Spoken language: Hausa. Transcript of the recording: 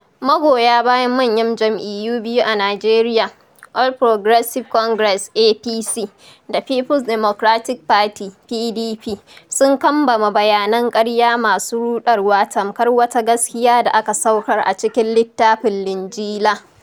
Magoya bayan manyan jam'iyyu biyu a Nijeria: All Progressive Congress (APC) da People's Democratc Party (PDP), sun kambama bayanan ƙarya masu ruɗarwa tamkar wata gaskiya da aka saukar a cikin littafin Linjila.